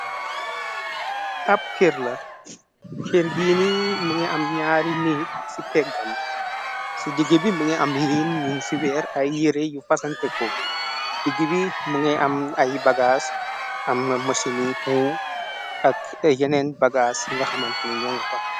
ab kër la kër giini mu ngay am ñaari neg ci tegg am ci digg bi mu nga am liin ñu ci weer ay yere yu fasante ko digg bi mu ngay am ay bagaas am mëshini hu ak yeneen bagaas yu nga xamant ni ñonga fa